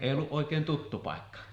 ei ollut oikein tuttu paikka